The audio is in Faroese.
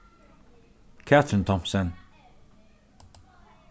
katrin thomsen